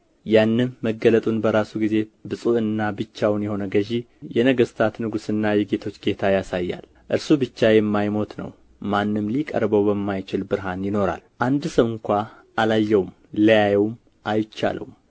ያንም መገለጡን በራሱ ጊዜ ብፁዕና ብቻውን የሆነ ገዥ የነገሥታት ንጉሥና የጌቶች ጌታ ያሳያል እርሱ ብቻ የማይሞት ነው ማንም ሊቀርበው በማይችል ብርሃን ይኖራል አንድ ሰው እንኳ አላየውም ሊያይም አይቻለውም